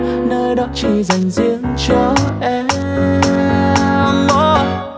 nơi đó chỉ giành riêng cho em